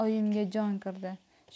oyimga jon kirdi